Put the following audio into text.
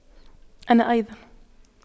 انا ايضا